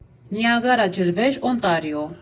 Նիագարա ջրվեժ, Օնտարիո։